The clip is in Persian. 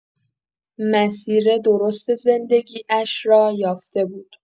مسیر درست زندگی‌اش را یافته بود.